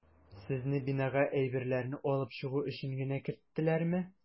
Сезне бинага әйберләрне алып чыгу өчен генә керттеләрме?